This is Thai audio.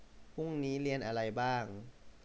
พรุ่งนี้เรียนอะไรบ้าง